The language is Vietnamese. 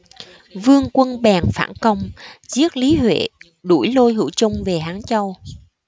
vương quân bèn phản công giết lý huệ đuổi lôi hữu chung về hán châu